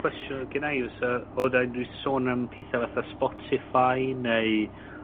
Cwestiwn odd gynna i fysa odd 'na unryw sôn am petha fatha Spotify neu